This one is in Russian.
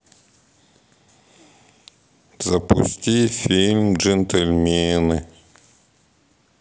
запусти фильм джентльмены